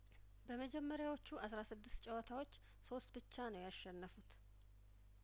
በመጀመሪያዎቹ አስራ ስድስት ጨዋታዎች ሶስት ብቻ ነው ያሸነፉት